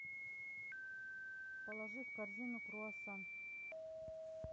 положи в корзину круассан